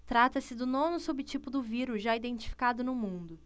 trata-se do nono subtipo do vírus já identificado no mundo